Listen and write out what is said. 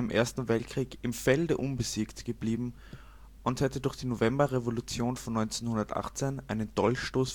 Ersten Weltkrieg „ im Felde unbesiegt “geblieben und hätte durch die Novemberrevolution von 1918 einen „ Dolchstoß